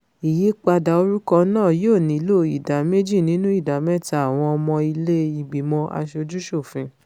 Ìyípadà orúkọ náà yóò nílò ìdá méjì nínú ìdá mẹ́ta àwọn ọmọ ilé ìgbìmọ aṣojú-ṣòfin.